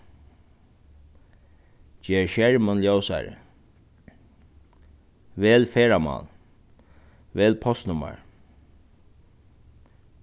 ger skermin ljósari vel ferðamál vel postnummar